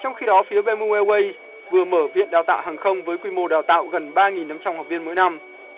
tong khi đó phía bam bô e uây vừa mở viện đào tạo hàng không với quy mô đào tạo gần ba nghìn năm trăm học viên mỗi năm